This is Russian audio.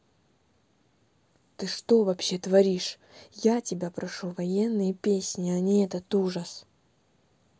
ты что вообще творишь я тебя прошу военные песни а не этот ужас